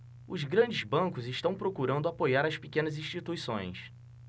os grandes bancos estão procurando apoiar as pequenas instituições